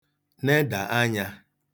nedà anyā